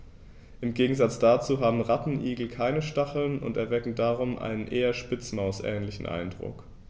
Im Gegensatz dazu haben Rattenigel keine Stacheln und erwecken darum einen eher Spitzmaus-ähnlichen Eindruck.